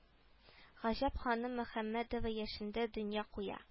Һаҗәр ханым мөхәммәдова яшендә дөнья куя